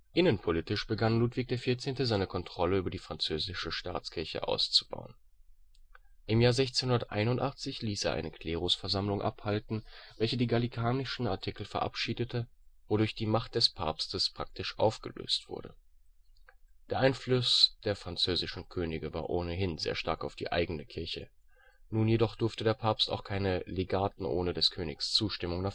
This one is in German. Innenpolitisch begann Ludwig XIV. seine Kontrolle über die französische Staatskirche auszubauen. Im November 1681 ließ er eine Klerusversammlung abhalten, welche die Gallikanischen Artikel verabschiedete, wodurch die Macht des Papstes praktisch aufgelöst wurde. Der Einfluss der französischen Könige war ohnehin sehr stark auf die eigene Kirche, nun jedoch durfte der Papst auch keine Legaten ohne des Königs Zustimmung